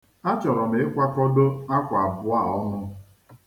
A chọrọ m ịkwakọdo akwa abụọ a ọnụ.